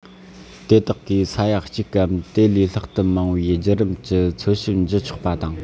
དེ དག གིས ས ཡ གཅིག གམ དེ ལས ལྷག ཏུ མང བའི རྒྱུད རབས ཀྱི མཚོན བྱེད བགྱི ཆོག པ དང